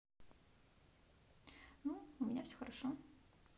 ну у меня все хорошо